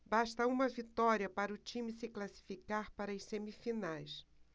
basta uma vitória para o time se classificar para as semifinais